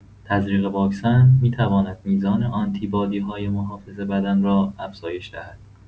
تزریق واکسن می‌تواند میزان آنتی‌بادی‌های محافظ بدن را افزایش دهد.